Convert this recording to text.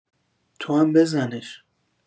توام بزنش